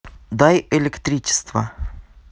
дай электричество